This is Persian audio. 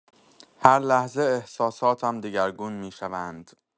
هر لحظه احساساتم دگرگون می‌شوند.